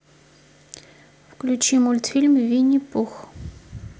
включи мультфильм винни пух